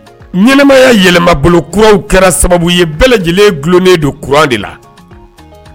Ɲɛnɛmaya yɛlɛmabolo kuraw kɛra sababu ye bɛɛ lajɛlen dulen don courant de la